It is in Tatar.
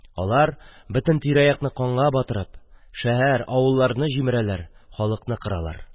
Алар, бөтен тирә-якны канга батырып, шәһәр-авылларны җимерәләр, халыкны кыралар.